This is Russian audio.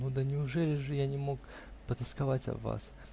Ну, да неужели же я не мог потосковать об вас?